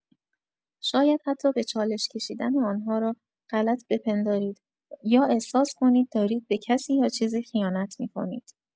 شاید حتی به چالش کشیدن آن‌ها را غلط بپندارید یا احساس کنید دارید به کسی یا چیزی خیانت می‌کنید.